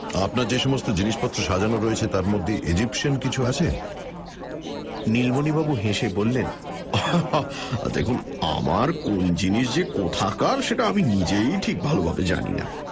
আপনার যে সমস্ত জিনিসপত্র সাজানো রয়েছে তার মধ্যে ইজিপসিয়ান কিছু আছে নীলমণিবাবু হেসে বললেন দেখুন আমার কোন জিনিস যে কোথাকার সেটা আমি নিজেই ঠিক ভালভাবে জানি না